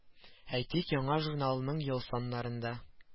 Әйтик яңа журналының ел саннарында